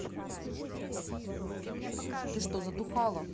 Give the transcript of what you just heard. ты что затухало